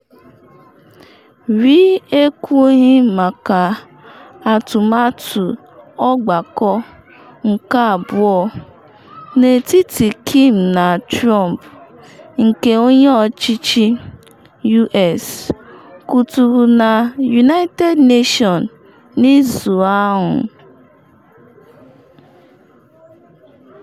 Ri ekwughị maka atụmatụ ọgbakọ nke abụọ n’etiti Kim na Trump nke onye ọchịchị U.S kwuturu na United Nation n’izu ahụ.